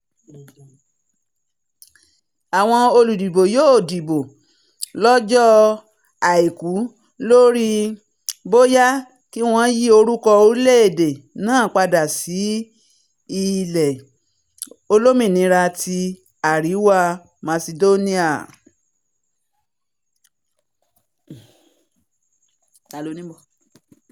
Àwọn olùdìbò yóò dìbò lọjọ Àìkú lórí bóyá kí wọn yí orúkọ orílẹ̀-èdè náà padà sí “Ilẹ̀ Olómìnira ti Àríwá Masidóníà.